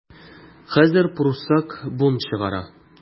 Хәзер пруссак бунт чыгара.